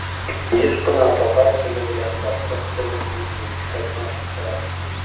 Еш кына татар теле белән башкорт телен бутыйм, катнаштырам.